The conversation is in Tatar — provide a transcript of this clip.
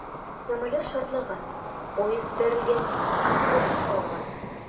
Самолет шартлаган, поезд бәрелгән, автобус ауган...